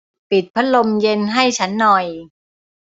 ปิดพัดลมเย็นให้ฉันหน่อย